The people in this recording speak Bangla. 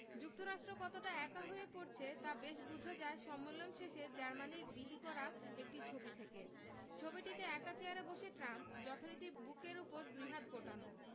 যুক্তরাষ্ট্র কতটা একা হয়ে পড়ছে তা বেশ বোঝা যায় সম্মেলন শেষে জার্মানির বিলি করা একটি ছবি থেকে ছবিটিতে একা চেয়ারে বসে ট্রাম্প যথারীতি বুকের ওপর দুই হাত গোটানো